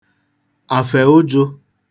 àfè ụjụ̄